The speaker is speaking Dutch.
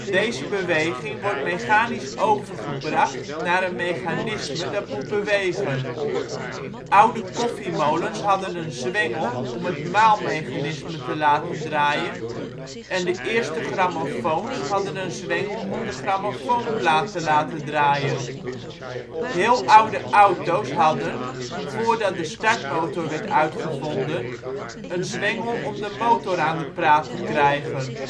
Deze beweging wordt mechanisch overgebracht naar een mechanisme dat moet bewegen. Oude koffiemolens hadden een zwengel om het maal-mechanisme te laten draaien, en de eerste grammofoons hadden een zwengel om de grammofoonplaat te laten draaien. Heel oude auto 's hadden, voordat de startmotor werd uitgevonden, een zwengel om de motor aan de praat te krijgen